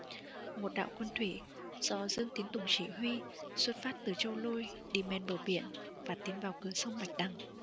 một đạo quân thủy do dương tiến tùng chỉ huy xuất phát từ châu lôi đi men bờ biển và tiến vào cửa sông bạch đằng